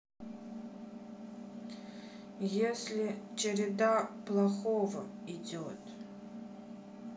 если череда плохого идет